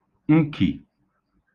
nkì